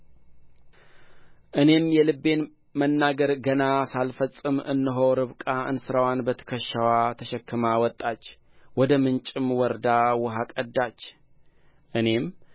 እኔም የልቤን መናገር ገና ሳልፈጽም እነሆ ርብቃ እንስራዋን በትከሻዋ ተሸክማ ወጣች ወደ ምንጭም ወርዳ ውኃ ቀዳች እኔም